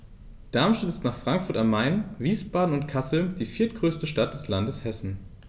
Darmstadt ist nach Frankfurt am Main, Wiesbaden und Kassel die viertgrößte Stadt des Landes Hessen